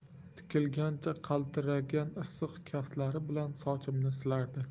tikilgancha qaltiragan issiq kaftlari bilan sochimni silardi